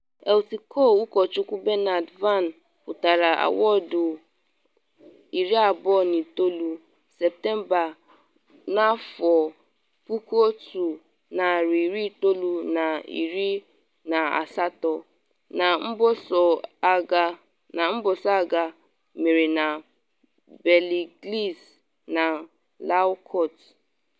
Lt Col Ụkọchukwu Bernard Vann nwetara awọdụ na 29, Septemba 1918 na mbuso agha emere na Bellenglise na Lehaucourt.